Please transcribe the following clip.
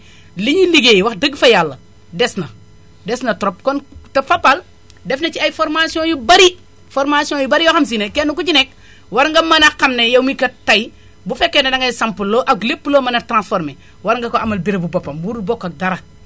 li ñu liggéey wax dëgg fa Yàlla des na des na trop kon te Fapal def na ci ay formation yu bari formation yu bari yoo xam si ne kenn ku ci nekk war nga mën a xam ne yow mii kat tay bu fekkee ne dangay samp loo ak lépp loo mën a transformé war nga ko amal bérébu boppam boo dul bokk ak dara